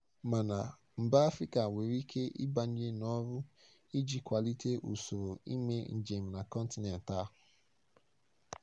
Mana, mba Afrịka nwere ike ịbanye n'ọrụ iji kwalite usoro ime njem na kọntinent a.